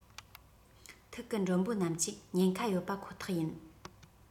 ཐིག གིས མགྲོན པོ རྣམས ཀྱི ཉེན ཁ ཡོད པ ཁོ ཐག ཡིན